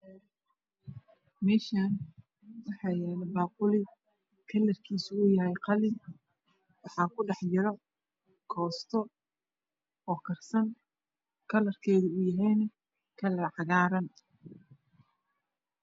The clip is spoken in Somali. Meeshan waxaa yaalo baquli kalarkisuyahay qalin waxaa ku dhexjiro kosto karsan oo kalarkeedu yahay cagaaran